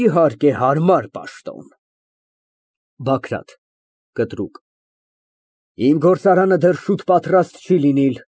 Իհարկե, հարմար պաշտոն… ԲԱԳՐԱՏ ֊ (Կտրուկ) Իմ գործարանը դեռ շուտ պատրաստ չի լինի։